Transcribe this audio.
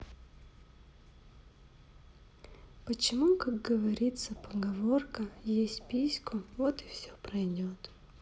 почему как говорится поговорка есть письку вот и все пройдет